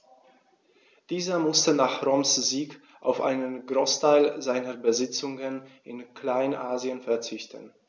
Dieser musste nach Roms Sieg auf einen Großteil seiner Besitzungen in Kleinasien verzichten.